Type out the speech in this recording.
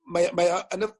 mae mae o yn y